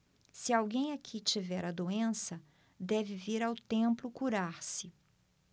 se alguém aqui tiver a doença deve vir ao templo curar-se